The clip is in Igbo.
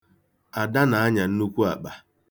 Ada na-anya nnukwu akpa.